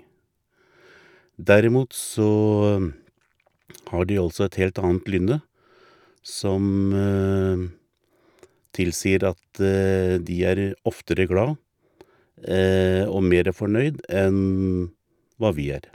Derimot så har de altså et helt annet lynne, som tilsier at de er oftere glad og mere fornøyd enn hva vi er.